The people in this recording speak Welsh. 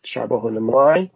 Tra bo hwn ymlaen.